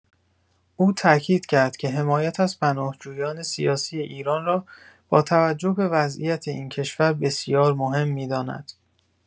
او تاکید کرد که حمایت از پناهجویان سیاسی ایران را با توجه به وضعیت این کشور «بسیار مهم» می‌داند.